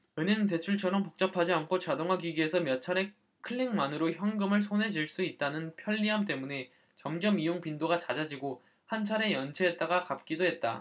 은행 대출처럼 복잡하지 않고 자동화기기에서 몇 차례 클릭만으로 현금을 손에 쥘 수 있다는 편리함 때문에 점점 이용 빈도가 잦아지고 한 차례 연체했다가 갚기도 했다